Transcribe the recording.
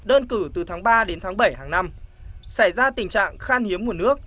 đơn cử từ tháng ba đến tháng bảy hằng năm xảy ra tình trạng khan hiếm nguồn nước